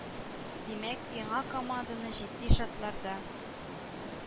Димәк, яңа команданы җитди шартларда